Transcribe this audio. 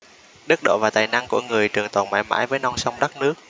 đức độ và tài năng của người trường tồn mãi mãi với non sông đất nước